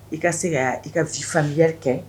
I ka se ka' i ka fanyari kɛ